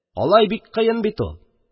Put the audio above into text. Алай бик кыен бит ул.